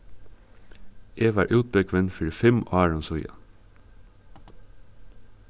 eg varð útbúgvin fyri fimm árum síðan